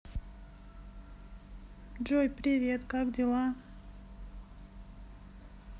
джой привет как дела